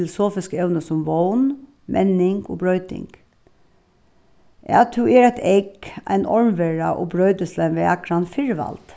filosofisk evni sum vón menning og broyting at tú er eitt egg ein ormvera og broytist til ein vakran firvald